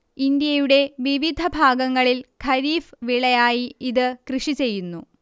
ഇന്ത്യയുടെ വിവിധ ഭാഗങ്ങളിൽ ഖരീഫ് വിളയായി ഇത് കൃഷിചെയ്യുന്നു